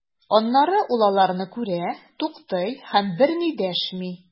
Аннары ул аларны күрә, туктый һәм берни дәшми.